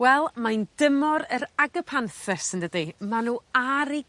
Wel mae'n dymor yr agerpanthus yndydi ma' n'w ar 'u